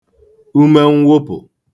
ume mwụpụ̀